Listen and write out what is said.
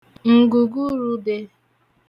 ǹgùgurūdē